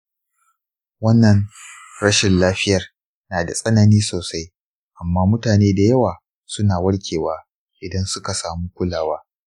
wannan rashin lafiyar nada tsanani sosai amma mutane dayawa suna warkewa idan suka samu kulawa.